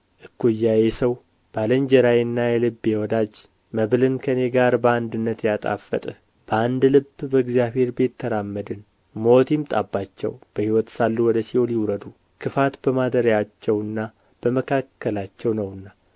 እኩያዬ ሰው ባልንጀራዬና የልቤ ወዳጅ መብልን ከእኔ ጋር በአንድነት ያጣፈጥህ በአንድ ልብ በእግዚአብሔር ቤት ተራመድን ሞት ይምጣባቸው በሕይወት ሳሉ ወደ ሲኦል ይውረዱ ክፋት በማደሪያቸውና በመካከላቸው ነውና